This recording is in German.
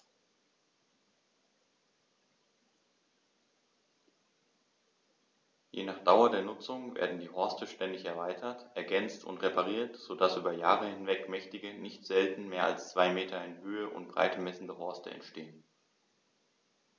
Je nach Dauer der Nutzung werden die Horste ständig erweitert, ergänzt und repariert, so dass über Jahre hinweg mächtige, nicht selten mehr als zwei Meter in Höhe und Breite messende Horste entstehen.